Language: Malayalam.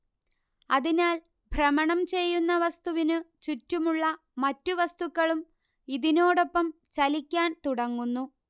അതിനാൽ ഭ്രമണം ചെയ്യുന്ന വസ്തുവിനു ചുറ്റുമുള്ള മറ്റു വസ്തുക്കളും ഇതിനോടൊപ്പം ചലിക്കാൻ തുടങ്ങുന്നു